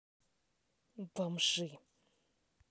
бомжи